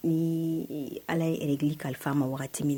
Ni Ala ye règle kalifa ma waati min